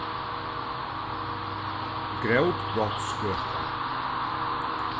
grótbrotsgøta